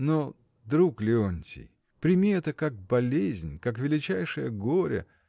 — Но, друг Леонтий, прими это как болезнь, как величайшее горе.